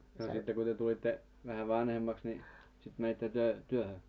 no sitten kun te tulitte vähän vanhemmaksi niin sitten menitte te työhön